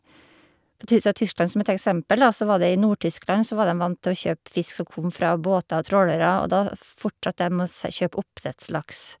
For ty ta Tyskland som et eksempel, da, så var det i Nord-Tyskland så var dem vant til å kjøpe fisk som kom fra båter og trålere, og da f fortsatte dem å se kjøpe oppdrettslaks.